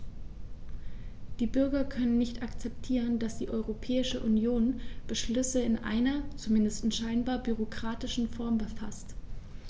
Die Bürger können nicht akzeptieren, dass die Europäische Union Beschlüsse in einer, zumindest scheinbar, bürokratischen Form faßt.